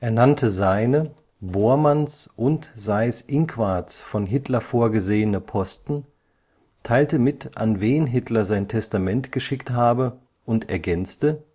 nannte seine, Bormanns und Seyß-Inquarts von Hitler vorgesehene Posten, teilte mit, an wen Hitler sein Testament geschickt habe, und ergänzte